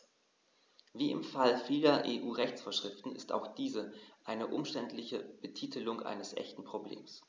Wie im Fall vieler EU-Rechtsvorschriften ist auch dies eine umständliche Betitelung eines echten Problems.